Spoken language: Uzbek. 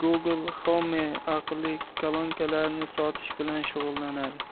google home aqlli kolonkalarini sotish bilan shug'ullanadi